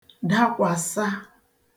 dakwàsa